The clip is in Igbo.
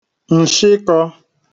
ǹshịkọ̄